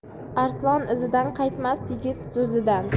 arslon izidan qaytmas yigit so'zidan